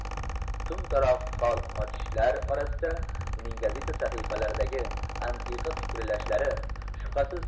tumtaroq fol ochishlar orasida uning gazeta sahifalaridagi antiqa fikrlashlari shubhasiz